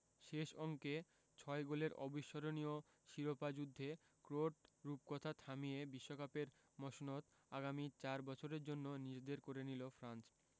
শেষ অঙ্কে ছয় গোলের অবিস্মরণীয় শিরোপা যুদ্ধে ক্রোট রূপকথা থামিয়ে বিশ্বকাপের মসনদ আগামী চার বছরের জন্য নিজেদের করে নিল ফ্রান্স